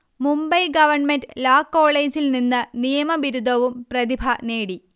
Mumbai government law കോളെജിൽ നിന്ന് നിയമ ബിരുദവും പ്രതിഭ നേടി